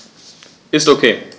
Ist OK.